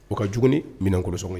O ka jugu minɛnkolonsɔngɔn ye.